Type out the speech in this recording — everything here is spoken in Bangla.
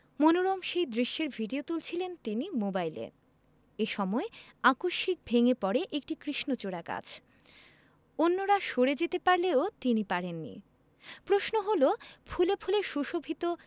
মনোরম সেই দৃশ্যের ভিডিও তুলছিলেন তিনি মোবাইলে এ সময় আকস্মিক ভেঙ্গে পড়ে একটি কৃষ্ণচূড়া গাছ অন্যরা সরে যেতে পারলেও তিনি পারেননি প্রশ্ন হলো ফুলে ফুলে সুশোভিত